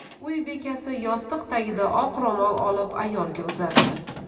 uy bekasi yostiq tagidan oq ro'mol olib ayolga uzatdi